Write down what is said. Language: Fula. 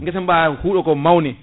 guessa ba huuɗoko mawni